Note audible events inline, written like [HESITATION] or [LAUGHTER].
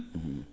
[HESITATION] [HESITATION]